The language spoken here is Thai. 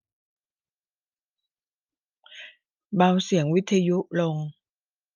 เบาเสียงวิทยุลง